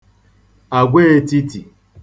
àgwaētītì